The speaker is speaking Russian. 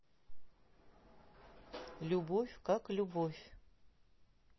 любовь как любовь